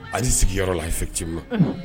A y'i sigi yɔrɔ la effectivement